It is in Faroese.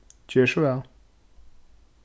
ger so væl